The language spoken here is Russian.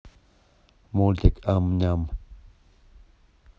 мультик ам ням